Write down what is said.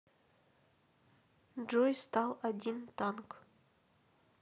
джой стал один танк